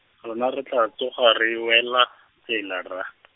rona re tla tsoga re wela, tsela rra .